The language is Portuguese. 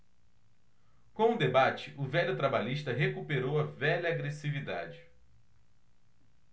com o debate o velho trabalhista recuperou a velha agressividade